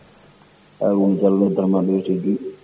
Harouna Diallo noddanma ɗo e Douyi